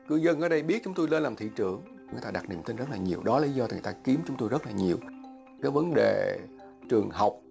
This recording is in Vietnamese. cư dân ở đây biết chúng tôi lên làm thị trưởng người ta đặt niềm tin rất là nhiều đó lý do thành kiến chúng tôi rất là nhiều cái vấn đề trường học